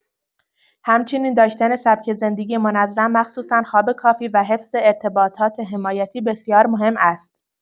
همچنین داشتن سبک زندگی منظم مخصوصا خواب کافی و حفظ ارتباطات حمایتی بسیار مهم است.